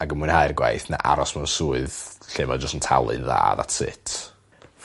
ac ym mwynhau'r gwaith na aros mawn swydd lle mae jyst yn talu'n dda that's it.